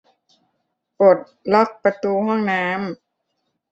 ปลดล็อกประตูห้องน้ำ